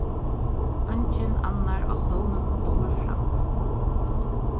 eingin annar á stovninum dugir franskt